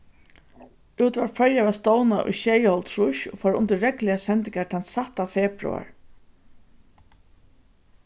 útvarp føroya varð stovnað í sjeyoghálvtrýss og fór undir regluligar sendingar tann sætta februar